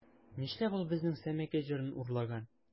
Нишләп ул безнең Сәмәкәй җырын урлаган?